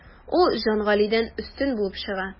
Ул Җангалидән өстен булып чыга.